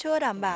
chưa đảm bảo